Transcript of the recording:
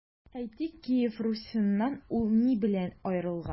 Әйтик, Киев Русеннан ул ни белән аерылган?